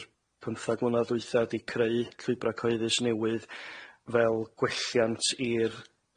yr pymthag mlynadd ddwytha' 'di creu llwybra' cyhoeddus newydd fel gwelliant i'r